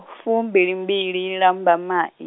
fumbilimbili Lambamai.